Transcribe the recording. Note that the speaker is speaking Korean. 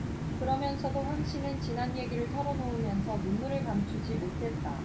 그러면서도 황씨는 지난 얘기를 털어놓으면서 눈물을 감추지 못했다